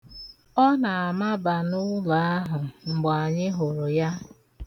Ọ na-amaba n'ụlọ ahụ mgbe anyị hụrụ ya.